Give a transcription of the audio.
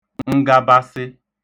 ngabasị